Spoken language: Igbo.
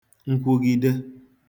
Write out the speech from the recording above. nkwugide